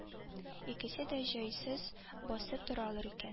Икесе дә җайсыз басып торалар икән